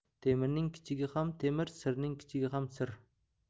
temirning kichigi ham temir sirning kichigi ham sir